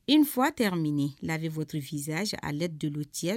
Une fois terminé lavez votre visage à l'aide de l'eau tiède